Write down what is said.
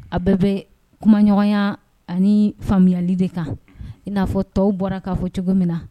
A bɛɛ bɛ kumaɲɔgɔnya ani faamuyayali de kan n'a fɔ tɔw bɔra k'a fɔ cogo min na